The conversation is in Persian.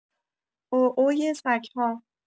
عوعوی سگ‌ها